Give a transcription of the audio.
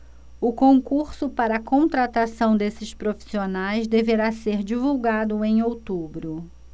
o concurso para contratação desses profissionais deverá ser divulgado em outubro